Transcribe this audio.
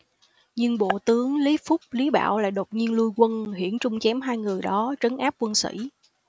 nhưng bộ tướng lý phúc lý bảo lại đột nhiên lui quân hiển trung chém hai người đó trấn áp quân sĩ